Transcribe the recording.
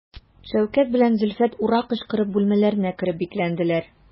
Шәүкәт белән Зөлфәт «ура» кычкырып бүлмәләренә кереп бикләнделәр.